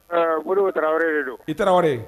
Olu o tarawele de don i tarawelere